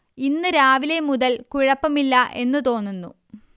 ഇന്ന് രാവിലെ മുതൽ കുഴപ്പമില്ല എന്ന് തോന്നുന്നു